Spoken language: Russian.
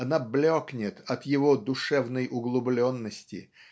она блекнет от его душевной углубленности